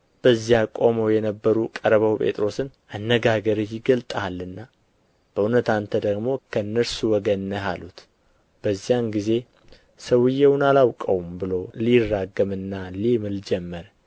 በዚያ ቆመው የነበሩ ቀርበው ጴጥሮስን አነጋገርህ ይገልጥሃልና በእውነት አንተ ደግሞ ከእነርሱ ወገን ነህ አሉት በዚያን ጊዜ ሰውየውን አላውቀውም ብሎ ሊራገምና ሊምል ጀመረ